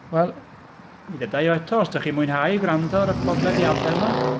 Wel... Mi ddeudai o eto. Os dach chi'n mwynhau gwrando ar y podlediadau 'ma.